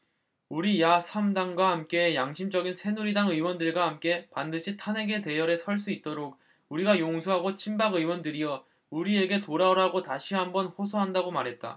우리 야 삼 당과 함께 양심적인 새누리당 의원들과 함께 반드시 탄핵에 대열에 설 수 있도록 우리가 용서하고 친박 의원들이여 우리에게 돌아오라고 다시 한 번 호소한다고 말했다